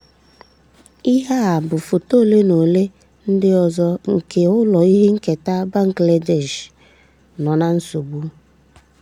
Ihe a bụ foto ole na ole ndị ọzọ nke ụlọ ihe nketa Bangladeshi nọ na nsogbu: